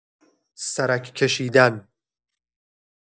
سرک کشیدن